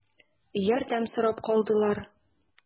Ярдәм сорап калдылар.